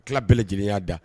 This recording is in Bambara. Kila bɛɛ lajɛlen y'a da.